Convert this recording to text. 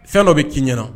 Fɛn dɔ bɛ kini ɲɛɲɛna